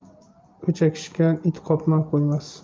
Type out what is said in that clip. o'chakishgan it qopmay qo'ymas